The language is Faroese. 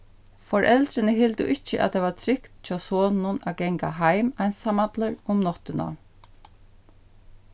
foreldrini hildu ikki at tað var trygt hjá soninum at ganga heim einsamallur um náttina